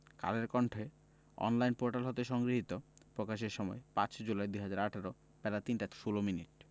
কালের কন্ঠের online portal হতে সংগৃহীত প্রকাশের সময় ৫ জুলাই ২০১৮ বেলা ৩টা ১৬ মিনিট